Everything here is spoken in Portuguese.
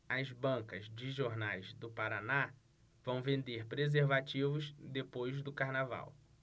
as bancas de jornais do paraná vão vender preservativos depois do carnaval